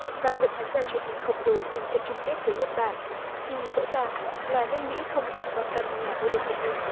và lượng khán giả truyền hình khổng lồ xem trận chung kết với nhật bản thì rõ ràng là nước mỹ không còn quan tâm nhà vô địch của mình